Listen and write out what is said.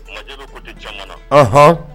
Hɔn